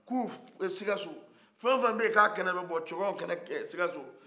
ku sikaso fɛn o fɛn bɛ ye ko a kɛnɛ bɛ bɔ cɔngɔn kɛnɛ sikaso